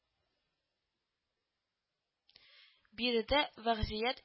Биредә вәзгыять